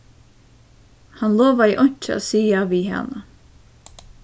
hann lovaði einki at siga við hana